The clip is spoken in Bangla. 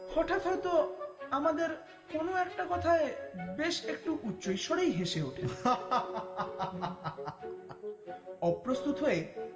হঠাৎ হয়তো আমাদের কোন একটা কথায় বেশ একটু উচ্চস্বরেই হেসে উঠেন অপ্রস্তুত হয়ে